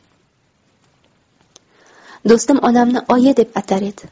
do'stim onamni oyi deb atar edi